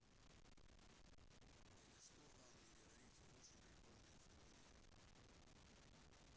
ой да что вам не говорите очень прикольная фамилия